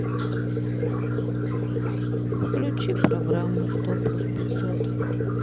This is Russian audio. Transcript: включи программу сто плюс пятьсот